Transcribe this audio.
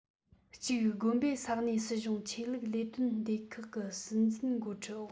གཅིག དགོན པས ས གནས སྲིད གཞུང ཆོས ལུགས ལས དོན སྡེ ཁག གི སྲིད འཛིན འགོ ཁྲིད འོག